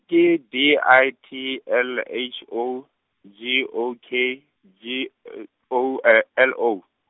ke D I T L H O, G O K G O L O.